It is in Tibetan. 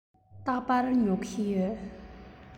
རྟག པར ཉོ གི ཡོད